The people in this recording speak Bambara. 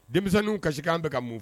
Denmisɛnninw kasikan bɛ ka ka mun